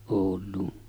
Ouluun